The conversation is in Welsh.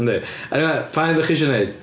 Yndi. Eniwe pa un dach chi isio wneud.